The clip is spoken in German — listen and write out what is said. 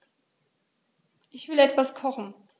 Ich will etwas kochen.